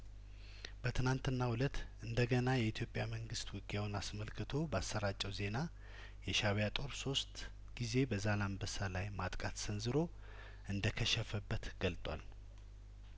በትናንትናው እለት እንደገና የኢትዮጵያ መንግስት ውጊያውን አስመልክቶ ባሰራጨው ዜና የሻእቢያ ጦር ሶስት ጊዜ በዛላንበሳ ላይ ማጥቃት ሰንዝሮ እንደከሸፈበት ገልጧል